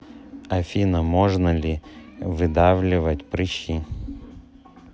афина можно ли выдавливать прыщи